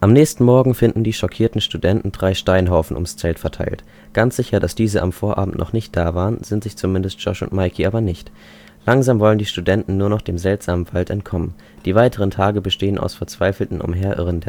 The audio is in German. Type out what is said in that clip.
nächsten Morgen finden die schockierten Studenten drei Steinhaufen ums Zelt verteilt. Ganz sicher, dass diese am Vorabend noch nicht da waren, sind sich zumindest Josh und Mike aber nicht. Langsam wollen die Studenten nur noch dem seltsamen Wald entkommen. Die weiteren Tage bestehen aus verzweifeltem Umherirren